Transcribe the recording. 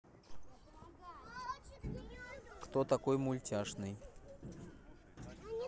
кто такой мультяшный